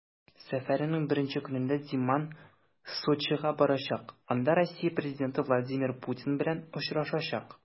Сәфәренең беренче көнендә Земан Сочига барачак, анда Россия президенты Владимир Путин белән очрашачак.